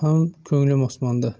ham ko'nglim osmonda